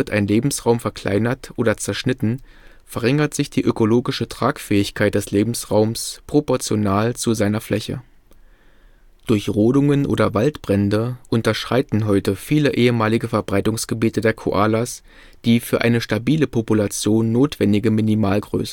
ein Lebensraum verkleinert oder zerschnitten, verringert sich die ökologische Tragfähigkeit des Lebensraumes proportional zu seiner Fläche. Durch Rodungen oder Waldbrände unterschreiten heute viele ehemalige Verbreitungsgebiete der Koalas die für eine stabile Population notwendige Minimalgröße